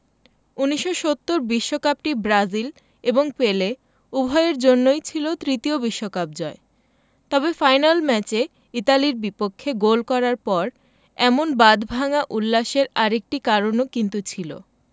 ১৯৭০ বিশ্বকাপটি ব্রাজিল এবং পেলে উভয়ের জন্যই ছিল তৃতীয় বিশ্বকাপ জয় তবে ফাইনাল ম্যাচে ইতালির বিপক্ষে গোল করার পর এমন বাঁধভাঙা উল্লাসের আরেকটি কারণ কিন্তু ছিল